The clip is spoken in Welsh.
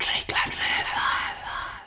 Treiglad meddal